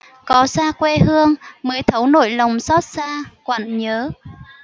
có xa quê hương mới thấu nỗi lòng xót xa quặn nhớ